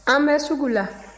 an bɛ sugu la